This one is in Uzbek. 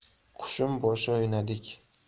qushim boshi o'ynadik